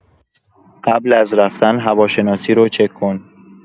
قبل از رفتن هواشناسی رو چک کن